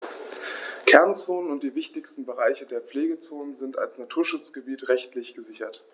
Kernzonen und die wichtigsten Bereiche der Pflegezone sind als Naturschutzgebiete rechtlich gesichert.